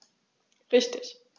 Richtig